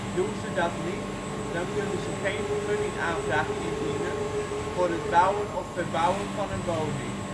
Doen ze dat niet, dan kunnen ze geen vergunningsaanvraag indienen voor het bouwen of verbouwen van een woning